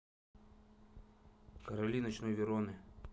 короли ночной вероны